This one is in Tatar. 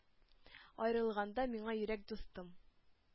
Аерылганда миңа йөрәк дустым